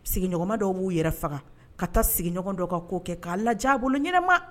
Sigiɲɔgɔnma dɔw b'u yɛrɛ faga ka taa sigiɲɔgɔn dɔw ka' kɛ k'a laja golo ɲɛnama